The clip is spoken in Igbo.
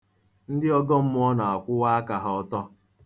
Ndị ọ̀gọm̄mụ̄ọ̄ na-akwụwa aka ha ọtọ.